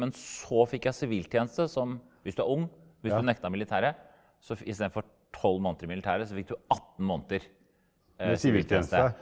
men så fikk jeg siviltjeneste som hvis du er ung hvis du nekta militæret så fikk isteden for tolv måneder i militæret så fikk du 18 måneder siviltjeneste.